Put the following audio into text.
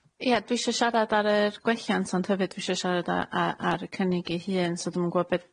Ia, dwi isio siarad ar yr gwelliant ond hefyd dwi isio siarad a- a- ar y cynnig ei hun so dw'm yn gwbod be-